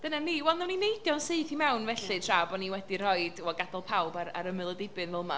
Dyna ni, wel wnawn ni neidio'n syth i mewn, felly, tra bod ni wedi rhoid wel gadael pawb ar ar ymyl y dibyn fel 'ma.